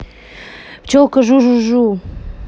пчелка жу жу жу